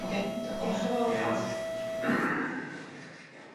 Oce diolch y fowr. Dioch yn fowr iawd. Diolch.